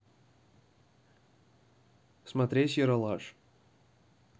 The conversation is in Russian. смотреть ералаш